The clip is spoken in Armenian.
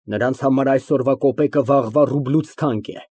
Նրանց համար այսօրվա կոպեկը վաղվա ռուբլուց թանկ է։